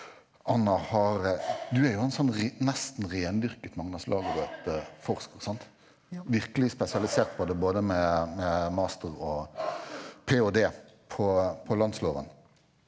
Anna har du er jo en sånn nesten rendyrket Magnus Lagabøte-forsker sant, virkelig spesialisert på det både med med master og ph.d. på på landsloven?